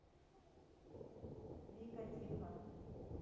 вика тихо